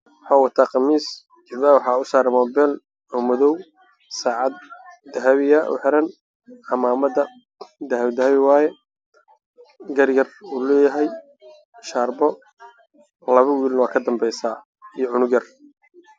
Waa nin iyo wiilal meel fadhiyo ninka waxa uu wataa qamiis cadaan ah